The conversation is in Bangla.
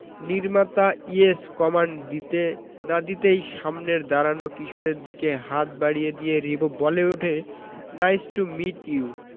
নির্মাতা ইয়েস কমান্ড দিতে না দিতেই সামনের দাঁড়ানো কিশোরের দিকে হাত বাড়িয়ে দিয়ে রিবো বলে উঠে নাইস টু মিট ইউ